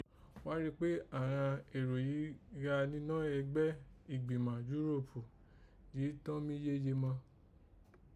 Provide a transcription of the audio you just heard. Gha rí kpé àghan èrò yìí gha ninọ́ ẹgbẹ́ ìgbìmà Yúróòpù yìí tọ́n mí yéye má